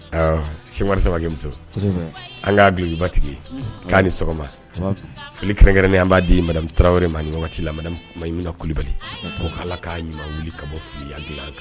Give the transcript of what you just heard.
Sɛ sabakɛ muso an k'a bilalibatigi k'a ni sɔgɔma folikɛrɛnkɛrɛnnen an b'a di tarawele ma niti la ma ɲininkaka kulubali ala k'a ɲuman ka bɔ fili kan